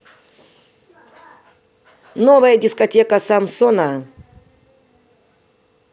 новая дискотека самсона